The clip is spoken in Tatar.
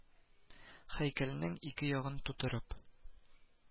Һәйкәлнең ике ягын тутырып